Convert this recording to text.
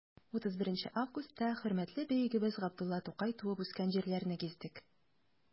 31 августта хөрмәтле бөегебез габдулла тукай туып үскән җирләрне гиздек.